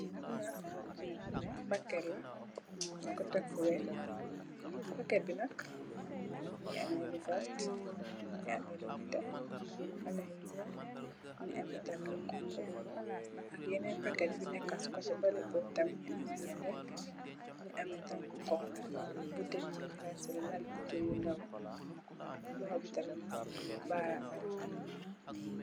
Li nak pakèt la nung ko tekk fu weeh. Pakèt bi nak mungi ameh lu vert, mungi ameh lu nètè, mungi ameh lu ñuul, mungi ameh tamit lu honku. Ak yenen paket yu nekka ci kotè balè bo bu tamit mungi ameh lu weeh, mungi ameh tamit lu honku ak buteel yung rangsalè nalè, buteel yu ndaw. Loho bi tamit mu ngi ni, bar mi loho yi.